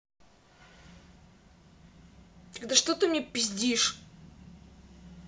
тогда что ты мне пиздишь